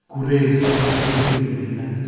Gwres yn treiddio i'm enaid.